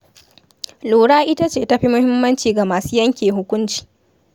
Lura ita ce ta fi muhimmanci ga masu yanke hukunci.